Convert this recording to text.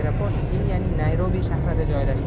aeroport keniyaning nayrobi shahrida joylashgan